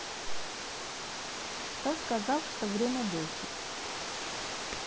кто сказал что время лечит